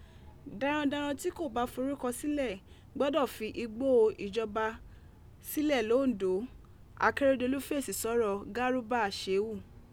Darandaran tí kò bá forúkọ sílẹ̀ gbọdọ̀ fi ìgbó ìjọba sílẹ̀ lOndo, Akeredolu fèsì sọ́rọ̀ Garuba Ṣehu